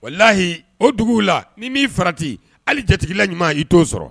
Wala lahi o duguw la ni min'i farati hali jatigila ɲuman y'i to sɔrɔ